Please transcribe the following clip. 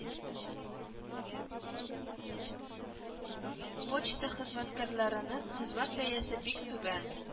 Почта хезмәткәрлеренең хезмәт бәясе бик түбән